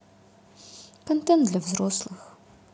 контент для взрослых